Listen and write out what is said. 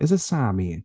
Is it Sammy?